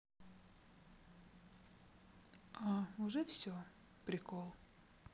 а уже все прикол